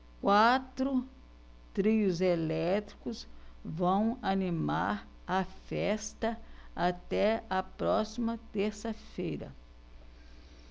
quatro trios elétricos vão animar a festa até a próxima terça-feira